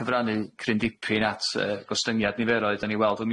cyfrannu cryn dipyn at yy gostyngiad niferoedd 'dan ni weld o